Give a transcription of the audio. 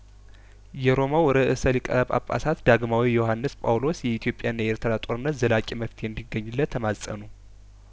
የሮማው ርእሰ ሊቀጳጳሳት ዳግማዊ ዮሀንስ ጳውሎስ የኢትዮጵያ ና የኤርትራ ጦርነት ዘላቂ መፍትሄ እንዲ ገኝለት ተማጸኑ